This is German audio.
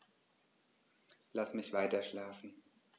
Lass mich weiterschlafen.